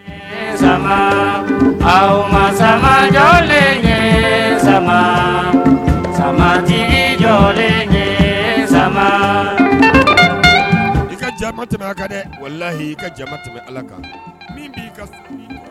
Sama a ma samajɔlen ye sama sabajijɔlen ye sama i ka jama kɛmɛ a kan dɛ wala' ii ka jamati bɛ ala kan min b'i ka sigi